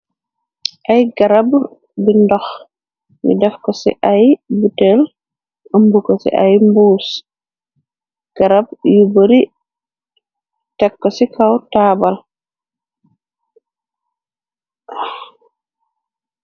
Ay garab bi ndox ni def ko ci ay butel ëmb ko ci ay mbuus garab yu bari tekko ci kaw taabal.